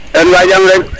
mba jam rek